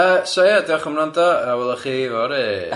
Yy so ie diolch am wrando a welwch chi fory.